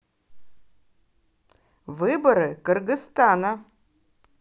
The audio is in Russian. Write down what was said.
выборы кыргызстана